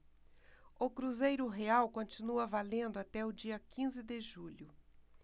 o cruzeiro real continua valendo até o dia quinze de julho